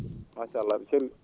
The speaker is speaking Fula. machallah e?e celli